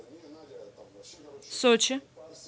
сочи